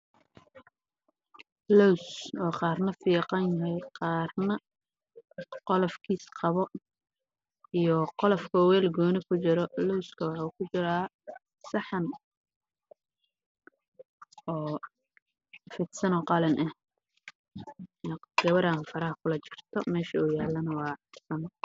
Meeshaan waxaa ka muuqdo loos